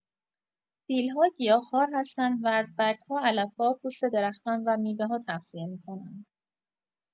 فیل‌ها گیاه‌خوار هستند و از برگ‌ها، علف‌ها، پوست درختان و میوه‌ها تغذیه می‌کنند.